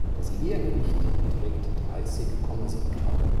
Das Leergewicht beträgt 30,7 Tonnen